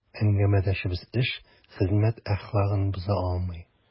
Әңгәмәдәшебез эш, хезмәт әхлагын боза алмый.